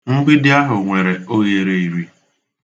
Mgbidi ahụ nwere oghere iri.